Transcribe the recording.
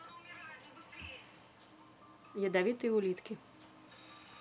ядовитые улитки